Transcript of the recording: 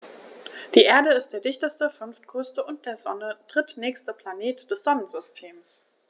Die Erde ist der dichteste, fünftgrößte und der Sonne drittnächste Planet des Sonnensystems.